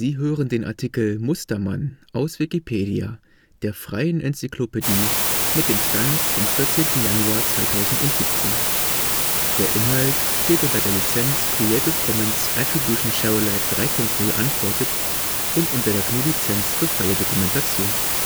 hören den Artikel Mustermann, aus Wikipedia, der freien Enzyklopädie. Mit dem Stand vom Der Inhalt steht unter der Lizenz Creative Commons Attribution Share Alike 3 Punkt 0 Unported und unter der GNU Lizenz für freie Dokumentation